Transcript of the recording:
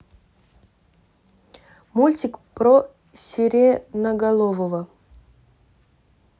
мультик про сиреноголового